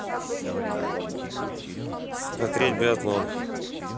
смотреть биатлон